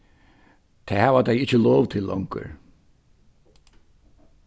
tað hava tey ikki lov til longur